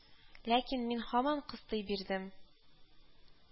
Ләкин мин һаман кыстый бирдем